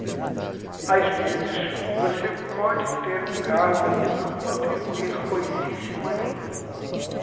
às vezes você pode ter um cargo e não contribuir coisíssima nenhuma